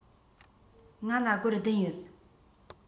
ང ལ སྒོར བདུན ཡོད